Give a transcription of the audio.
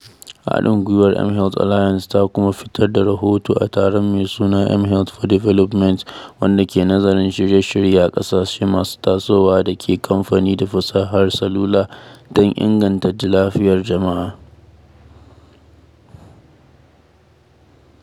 Haɗin gwiwar mHealth Alliance ta kuma fitar da rahoto a taron mai suna mHealth for Development, wanda ke nazarin shirye-shirye a ƙasashe masu tasowa da ke amfani da fasahar salula don inganta lafiyar jama’a.